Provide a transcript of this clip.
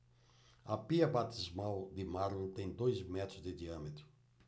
a pia batismal de mármore tem dois metros de diâmetro